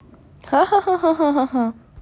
аха ха ха ха ха ха